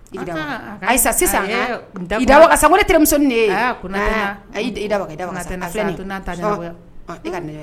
I ayisa sisan da da a tɛremi de ye a da